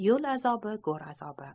yo'l azobi go'r azobi